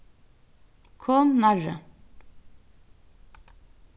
kom nærri